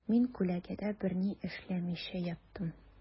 Мин күләгәдә берни эшләмичә яттым.